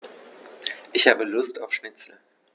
Ich habe Lust auf Schnitzel.